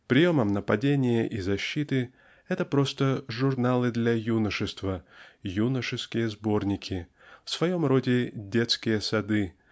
приемам нападения и защиты это просто "журналы для юношества" "юношеские сборники" в своем роде "детские сады"